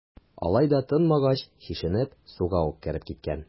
Алай да тынмагач, чишенеп, суга ук кереп киткән.